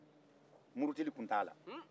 muritili tun t'a la